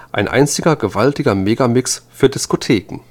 ein] einziger, gewaltiger Mega-Mix für Diskotheken